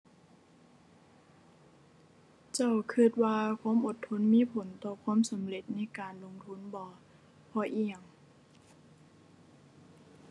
เจ้าคิดว่าความอดทนมีผลต่อความสำเร็จในการลงทุนบ่ เพราะอิหยัง